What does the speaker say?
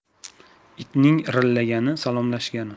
itning irrilagani salomlashgani